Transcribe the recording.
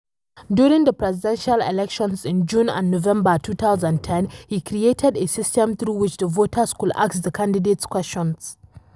During the presidential elections in June and November 2010, he created a system through which the voters could ask the candidates questions.